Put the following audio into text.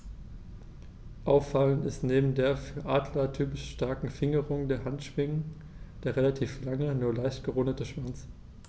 Auffallend ist neben der für Adler typischen starken Fingerung der Handschwingen der relativ lange, nur leicht gerundete Schwanz.